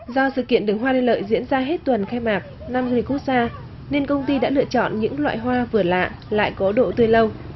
ra sự kiện đường hoa lê lợi diễn ra hết tuần khai mạc năm du lịch quốc gia nên công ty đã lựa chọn những loại hoa vừa lạ lại có độ tươi lâu